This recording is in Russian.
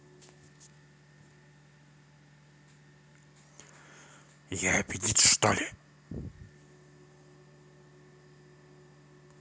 я аппетит что ли